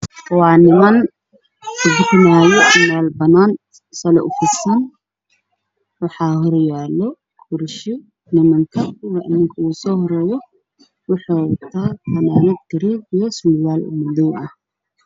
Waa niman oo kutukanaayo meel banaan oo sali u fidsan yahay, waxaa horyaalo kursi, ninka ugu soo horeeyo waxuu wataa fanaanad garee ah iyo surwaal madow ah.